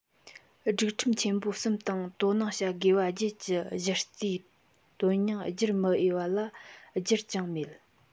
སྒྲིག ཁྲིམས ཆེན པོ གསུམ དང དོ སྣང བྱ དགོས པ བརྒྱད ཀྱི གཞི རྩའི དོན སྙིང སྒྱུར མི འོས ལ བསྒྱུར ཀྱང མེད